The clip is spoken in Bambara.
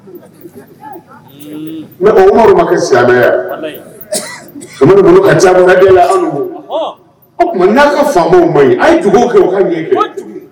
Silamɛya ka ca ka ma ye kɛ ɲɛ